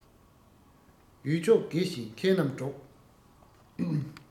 ཡུལ ཕྱོགས དགེ ཞེས མཁས རྣམས སྒྲོགས